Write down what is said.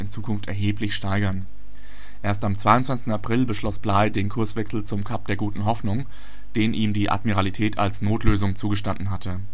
erheblich steigern. Erst am 22. April beschloss Bligh den Kurswechsel zum Kap der Guten Hoffnung, den ihm die Admiralität als Notlösung zugestanden hatte